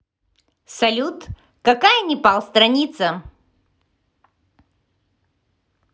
салют какая непал станица